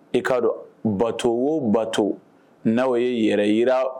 I kaa dɔn bato wo bato n'awo ye yɛrɛ yira